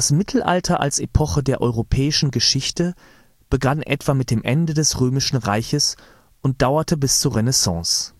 Mittelalter als Epoche der europäischen Geschichte begann etwa mit dem Ende des römischen Reiches und dauerte bis zur Renaissance